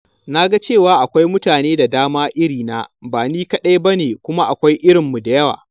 Na ga cewa akwai mutane da dama irina, ba ni kaɗai ba ne kuma akwai irinmu da yawa!